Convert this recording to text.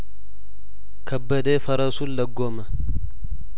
ከበደ ፈረሱን ለጐመ